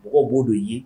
Mɔgɔ b'o don ye